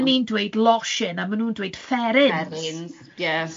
...'dan ni'n dweud losin a ma' nhw'n dweud fferins. Fferins, ie.